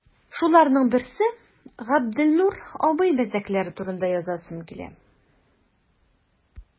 Шуларның берсе – Габделнур абый мәзәкләре турында язасым килә.